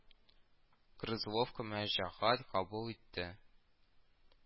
Грызловка мөҗәгать кабул итте